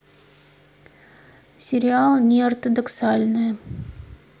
сериал неортодоксальная